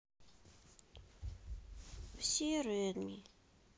все редми